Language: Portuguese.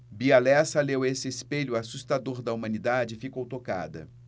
bia lessa leu esse espelho assustador da humanidade e ficou tocada